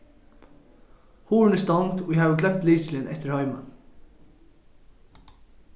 hurðin er stongd og eg havi gloymt lykilin eftir heima